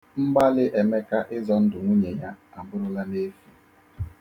Mgbali Emeka izọ ndụ nwunye ya abụrụla n'efu.